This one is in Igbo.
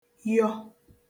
yọ